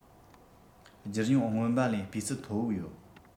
སྒྱུར མྱོང སྔོན མ ལས སྤུས ཚད མཐོ ཡོད